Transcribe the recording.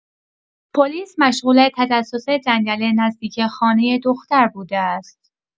پلیس مشغول تجسس جنگل نزدیک خانه دختر بوده است.